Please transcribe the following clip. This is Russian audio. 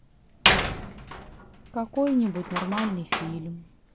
какой нибудь нормальный фильм